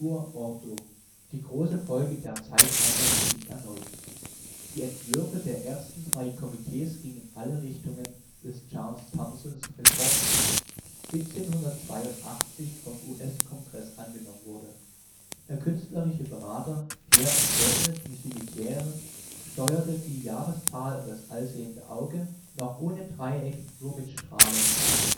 ordo " (Die große Folge der Zeitalter beginnt erneut). Die Entwürfe der ersten drei Komitees gingen in alle Richtungen, bis Charles Thomsons Report 1782 vom US-Kongress angenommen wurde. Der künstlerische Berater Pierre Eugène du Simitière steuerte die Jahreszahl und das Allsehende Auge (noch ohne Dreieck, nur mit Strahlen) bei